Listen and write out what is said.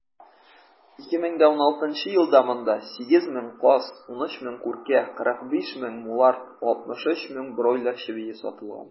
2016 елда монда 8 мең каз, 13 мең күркә, 45 мең мулард, 63 мең бройлер чебие сатылган.